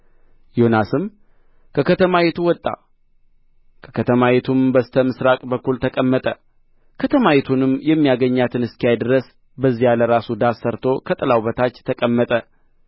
ዮናስም ከከተማይቱ ወጣ ከከተማይቱም በስተ ምሥራቅ በኩል ተቀመጠ ከተማይቱንም የሚያገኛትን እስኪያይ ድረስ በዚያ ለራሱ ዳስ ሠርቶ ከጥላው በታች ተቀመጠ